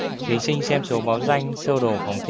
thí sinh xem số báo danh sơ đồ phòng thi